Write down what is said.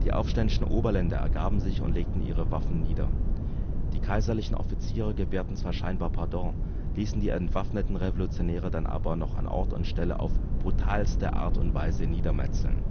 aufständischen Oberländer ergaben sich und legten ihre Waffen nieder. Die kaiserlichen Offiziere gewährten zwar scheinbar Pardon, ließen die entwaffneten Revolutionäre dann aber noch an Ort und Stelle auf brutalste Art und Weise niedermetzeln